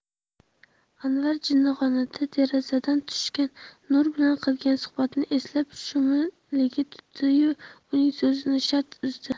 anvar jinnixonada derazadan tushgan nur bilan qilgan suhbatini eslab shumligi tutdiyu uning so'zini shart uzdi